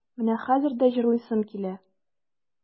Менә хәзер дә җырлыйсым килә.